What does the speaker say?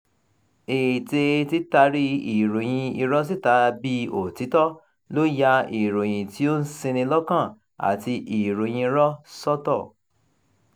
Ète títari ìròyìn irọ́ síta bí òtítọ́, ló ya ìròyìn tí ó ń ṣini lọ́kàn àti ìròyìn irọ́ sọ́tọ́.